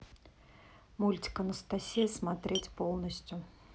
мультик анастасия смотреть полностью